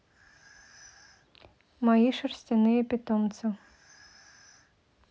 мои шерстяные питомцы